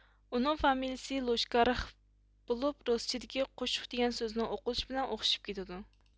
ئۇنىڭ فامىلىسى لوشكارېغ بولۇپ رۇسچىدىكى قوشۇق دېگەن سۆزنىڭ ئوقۇلۇشى بىلەن ئوخشىشىپ كېتىدۇ